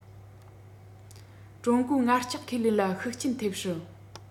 ཀྲུང གོའི ངར ལྕགས ཁེ ལས ལ ཤུགས རྐྱེན ཐེབས སྲིད